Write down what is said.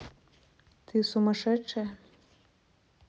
ты сумасшедшая